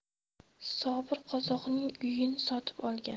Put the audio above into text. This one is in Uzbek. sobir qozoqning uyini sotib olgan